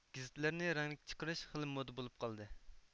گېزىتلەرنى رەڭلىك چىقىرىش خېلى مودا بولۇپ قالدى